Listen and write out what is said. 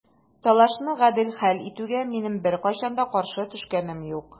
Талашны гадел хәл итүгә минем беркайчан да каршы төшкәнем юк.